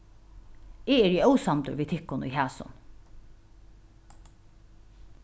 eg eri ósamdur við tykkum í hasum